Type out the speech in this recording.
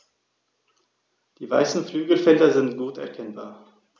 Die weißen Flügelfelder sind gut erkennbar.